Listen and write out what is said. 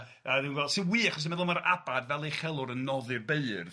...a dwi'n gweld sy'n wych os dwi'n meddwl ma'r Abad fel uchelwr yn noddi'r beurdd.